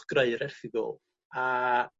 ...greu'r erthygl a